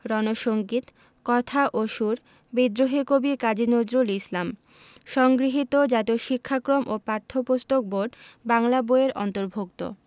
রন সঙ্গীত কথা ও সুর বিদ্রোহী কবি কাজী নজরুল ইসলাম সংগৃহীত জাতীয় শিক্ষাক্রম ও পাঠ্যপুস্তক বোর্ড বাংলা বই এর অন্তর্ভুক্ত